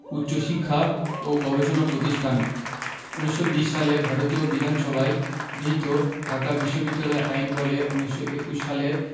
উচ্চশিক্ষা ও গবেষণা প্রতিষ্ঠান ১৯২০ সালে ভারতীয় বিধানসভায় গৃহীত ঢাকা বিশ্ববিদ্যালয় আইনবলে ১৯২১ সালের